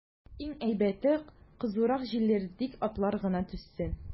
Иң әйбәте, кызурак җилдерик, атлар гына түзсен.